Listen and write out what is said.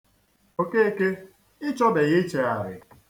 Okeke, ị chọbeghị ichegharị?